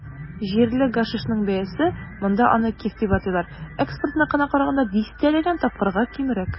Җирле гашишның бәясе - монда аны "киф" дип атыйлар - экспортныкына караганда дистәләгән тапкырга кимрәк.